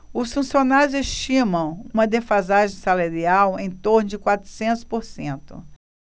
os funcionários estimam uma defasagem salarial em torno de quatrocentos por cento